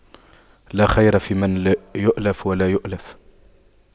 لا خير فيمن لا يَأْلَفُ ولا يؤلف